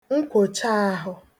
nkwòchaàhụ